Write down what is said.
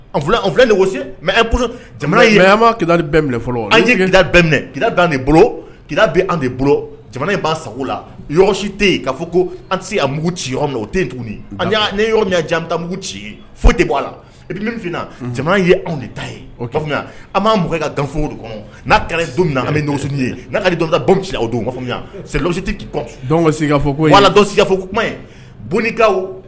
Mɛ an bolo bolo' sago la si tɛ yen fɔ ko an tɛ mugu ci o tunugu ci ye fo de b'a la i bɛ min ye anw ni ta ye o an b' mɔ ka danf kɔnɔ n'a kɛra don min ye'ale dɔn awsi tɛ skafɔ skafɔ kumakaw